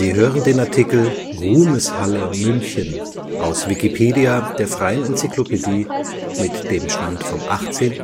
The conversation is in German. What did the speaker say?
hören den Artikel Ruhmeshalle (München), aus Wikipedia, der freien Enzyklopädie. Mit dem Stand vom Der